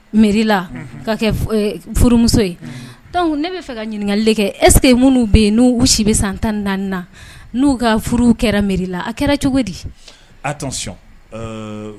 Mi ka kɛ furumuso ye ne bɛa fɛ ka ɲininkakali kɛ ɛsseke minnu bɛ yen nu si bɛ san tan naani na n'u ka furu kɛra mila a kɛra cogo di